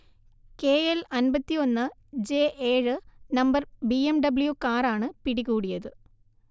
K L അൻപത്തിയൊന്നു J ഏഴ് number B M W കാറാണ് പിടികൂടിയത്